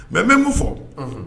Mɛ n bɛ n' fɔ